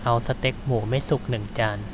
เอาสเต็กหมูไม่สุกหนึ่งจาน